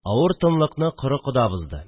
Авыр тынлыкны коры кода бозды